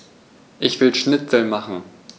Ich will Schnitzel machen.